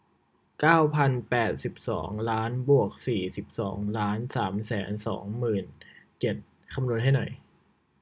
เก้าพันแปดสิบสองล้านบวกสี่สิบสองล้านสามแสนสองหมื่นเจ็ดคำนวณให้หน่อย